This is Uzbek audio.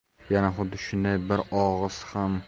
yana xuddi shunday bir og'iz